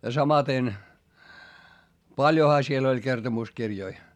ja samaten paljonhan siellä oli kertomuskirjoja